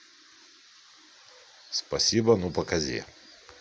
спасибо ну показе